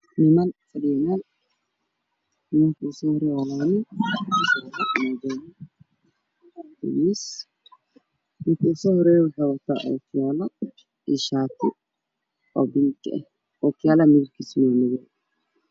Qolka waxaa ku xiran nal cadaan ah iyo nal buluug ah